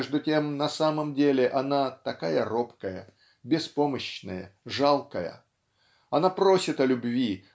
между тем на самом деле она такая робкая беспомощная жалкая она просит о любви